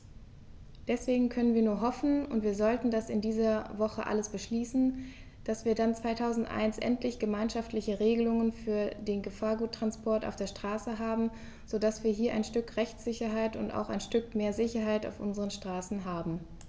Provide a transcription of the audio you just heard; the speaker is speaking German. Deswegen können wir nur hoffen - und wir sollten das in dieser Woche alles beschließen -, dass wir dann 2001 endlich gemeinschaftliche Regelungen für den Gefahrguttransport auf der Straße haben, so dass wir hier ein Stück Rechtssicherheit und auch ein Stück mehr Sicherheit auf unseren Straßen haben.